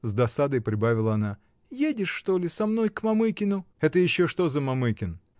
— с досадой прибавила она, — едешь, что ли, со мной к Мамыкину? — Это еще что за Мамыкин?